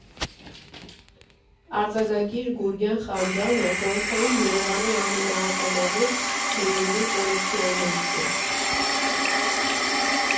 Արձակագիր Գուրգեն Խանջյանը խորհրդային Երևանի ամենաականավոր վինիլի կոլեկցիոներներից էր։